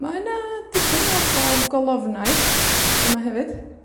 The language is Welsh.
Mae 'na dipyn o gofgolofnau yma hefyd.